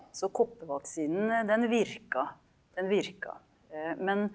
så koppevaksinen, den virka den virka men?